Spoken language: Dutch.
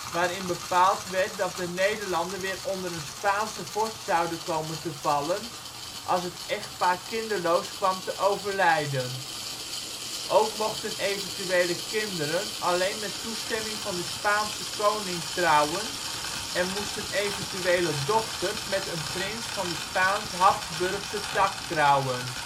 waarin bepaald werd dat de Nederlanden weer onder een Spaanse vorst zouden komen te vallen als het echtpaar kinderloos kwam te overlijden. Ook mochten eventuele kinderen alleen met toestemming van de Spaanse koning trouwen en moesten eventuele dochters met een prins van de Spaans-Habsburgse tak trouwen